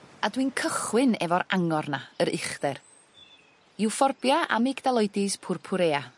A dwi'n cychwyn efo'r angor 'na yr uchder. Euphorbia amygdaloides purpurea.